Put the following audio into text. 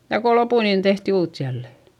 ja kun loppui niin tehtiin uutta jälleen